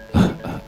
H